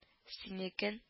– синекен